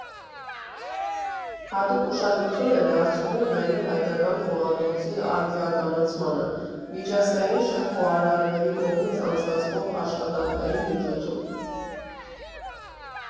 Հատուկ ուշադրություն է դարձվում նաև հայկական խոհանոցի արդիականացմանը՝ միջազգային շեֆ խոհարարների կողմից անցկացվող աշխատարանների միջոցով։